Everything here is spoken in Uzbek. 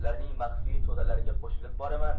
ularning maxfiy to'dalariga qo'shilib boraman